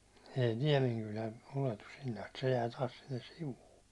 ei Niemenkylä ylety sinne asti se jää taas sinne sivuun